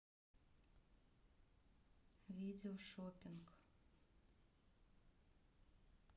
видео шоппинг